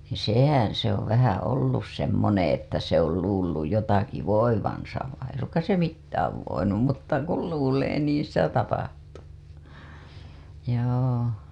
sehän se on vähän ollut semmoinen että se on luullut jotakin voivansa vaan ei suinkaan se mitään voinut mutta kun luulee niin sitä tapahtuu joo